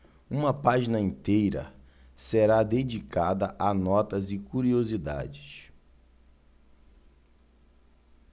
uma página inteira será dedicada a notas e curiosidades